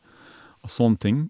Og sånne ting.